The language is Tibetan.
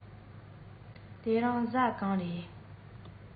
དེ རིང གཟའ གང རས